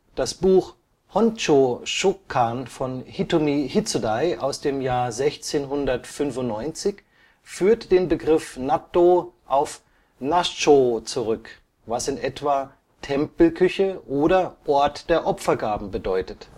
Das Buch Honchō Shokkan von Hitomi Hitsudai aus dem Jahr 1695 führt den Begriff Nattō auf nassho zurück, was in etwa Tempelküche oder Ort der Opfergaben bedeutet